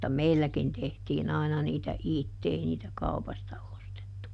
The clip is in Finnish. mutta meilläkin tehtiin aina niitä itse ei niitä kaupasta ostettu